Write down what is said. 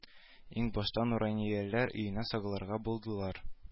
Иң башта нуранияләр өенә сугылырга булдылар